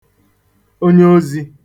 onye ozi